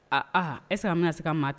Aa aa e a minɛ se maa tɛ